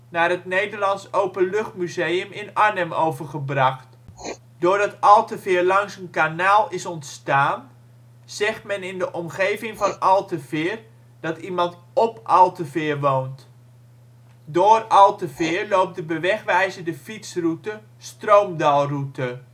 naar het Nederlands Openluchtmuseum in Arnhem overgebracht. Doordat Alteveer langs een kanaal is ontstaan zegt men in de omgeving van Alteveer dat iemand op Alteveer woont. Door Alteveer loopt de bewegwijzerde fietsroute Stroomdalroute